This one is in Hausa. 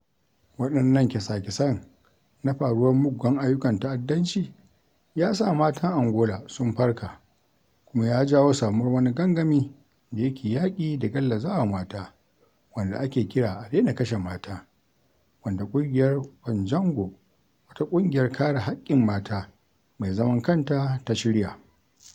Waɗannan kyasakyasan na faruwar muggan ayyukan ta'addanci ya sa matan Angola sun farka kuma ya jawo samuwar wani gangami da yake yaƙi da gallazawa mata wanda ake kira "A daina kashe mata," wanda ƙungiyar Ondjango, wata ƙungiyar kare haƙƙin mata mai zaman kanta ta shirya.